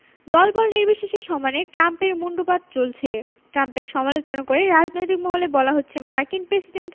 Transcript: দলবল নির্বিশেষে সমানে ট্রাম্পের মুণ্ডুপাত চলছে ট্রাম্পের সমালোচনা করে রাজনৈতিক মহলে বলা হচ্ছে মার্কিন প্রেসিডেন্ট